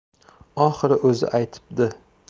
oxiri o'zi aytibdi